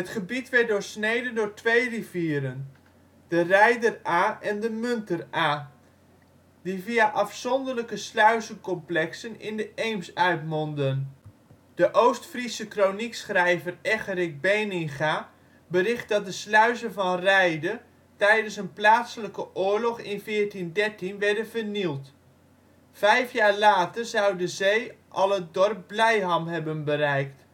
gebied werd doorsneden door twee rivieren: de Reider Ae en de Munter Ae, die via afzonderlijke sluizencomplexen in de Eems uitmondden. De Oost-Friese kroniekschrijver Eggerik Beninga bericht dat de sluizen van Reide tijdens een plaatselijke oorlog in 1413 werden vernield. Vijf jaar later zou de zee al het dorp Blijham hebben bereikt